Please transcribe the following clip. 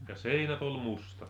ja seinät oli mustat